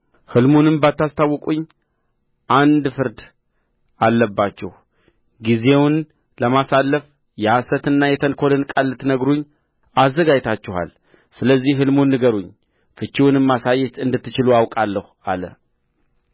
ሕልሙንም ባታስታውቁኝ አንድ ፍርድ አለባችሁ ጊዜውን ለማሳለፍ የሐሰትንና የተንኰልን ቃል ልትነግሩኝ አዘጋጅታችኋል ስለዚህ ሕልሙን ንገሩኝ ፍቺውንም ማሳየት እንድትችሉ አውቃለሁ አለ